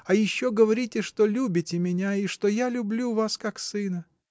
А еще говорите, что любите меня и что я люблю вас — как сына!